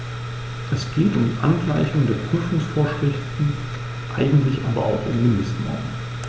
Es geht um die Angleichung der Prüfungsvorschriften, eigentlich aber auch um Mindestnormen.